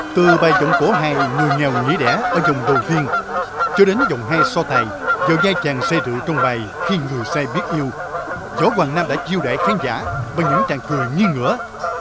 từ bài vọng cổ hài người nghèo nghỉ đẻ ở vòng đầu tiên cho đến vòng hai so tài vào vai chàng say rượu trong bài khi người say biết yêu võ hoài nam đã chiêu đãi khán giả bằng những tràng cười nghiêng ngửa